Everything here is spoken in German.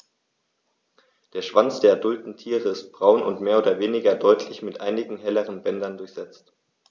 Der Schwanz der adulten Tiere ist braun und mehr oder weniger deutlich mit einigen helleren Bändern durchsetzt.